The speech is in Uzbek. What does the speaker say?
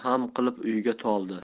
xam qilib o'yga toldi